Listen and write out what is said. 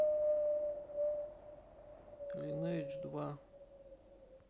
линейдж два